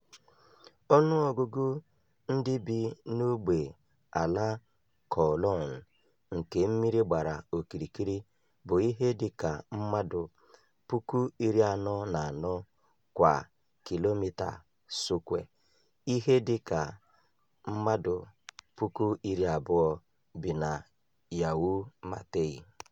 Ọnụọgụgụ ndị bi n'ogbe ala Kowloon nke mmiri gbara okirikiri bụ ihe dị ka mmadụ 44,000 kwa kilomita sụkwe, ihe dị ka mmadụ 20,000 bi na Yau Ma Tei.